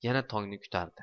yana tongni kutardi